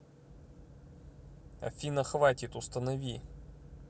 афина хватит установи